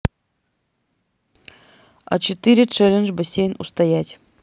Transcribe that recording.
а четыре челлендж бассейн устоять